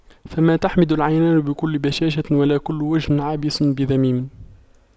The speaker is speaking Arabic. فما تحمد العينان كل بشاشة ولا كل وجه عابس بذميم